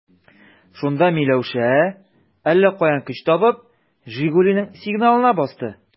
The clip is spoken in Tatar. Шунда Миләүшә, әллә каян көч табып, «Жигули»ның сигналына басты.